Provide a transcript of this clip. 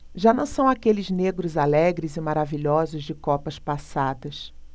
já não são aqueles negros alegres e maravilhosos de copas passadas